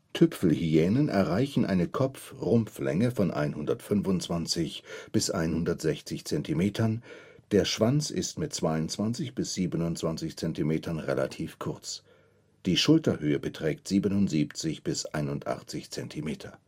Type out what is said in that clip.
Tüpfelhyänen erreichen eine Kopfrumpflänge von 125 bis 160 Zentimetern, der Schwanz ist mit 22 bis 27 Zentimetern relativ kurz. Die Schulterhöhe beträgt 77 bis 81 Zentimeter